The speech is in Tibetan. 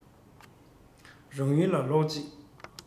རང ཡུལ ལ ལོག ཅིང